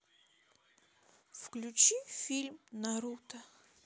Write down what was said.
включи фильм наруто